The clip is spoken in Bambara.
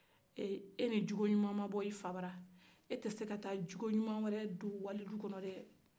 ɛ e ni cogo ɲuman bɔ i fabara e tɛ se ka cogo ɲuman don walidu kɔnɔ dɛ